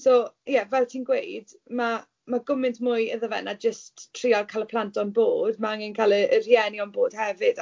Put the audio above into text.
So ie, fel ti'n gweud, ma' ma' gymaint mwy iddo fe na jyst trio cael y plant on board. Ma' angen cael y y rhieni on board hefyd.